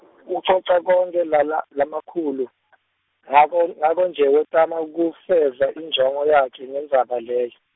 Ucoca konkhe lala, lalakhuluma ngako ngako nje wetama kufeza injongo yakhe ngendzaba leyo.